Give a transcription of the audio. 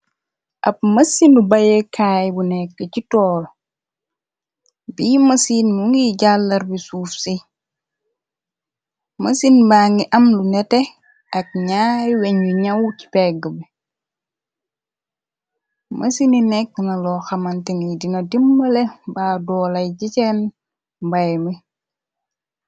Ab mësinu bayekaay bu nekka ci torl bi mësiin mu ngi jàllar bi suuf si mësin ba ngi am lu neteh ak ñyaari weñch yu ñyawut ci pegg bi mësini nekk na loo xamanteni dina dimbale baa doolay si seen mbay mi.